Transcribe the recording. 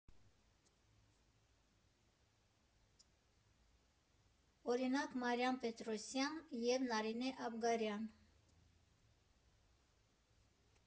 Օրինակ՝ Մարիամ Պետրոսյան և Նարինե Աբգարյան։